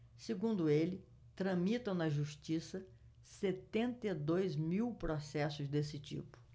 segundo ele tramitam na justiça setenta e dois mil processos desse tipo